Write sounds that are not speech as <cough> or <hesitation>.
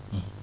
<hesitation> <hesitation>